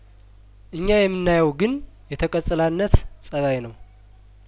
እኛ የምናየው ግን የተቀጽላነት ጸባይነው